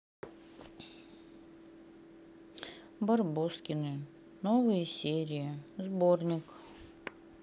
барбоскины новые серии сборник